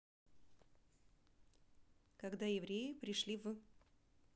когда евреи пришли в